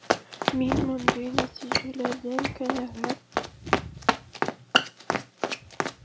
Мин мондый нәтиҗәләрдән канәгать.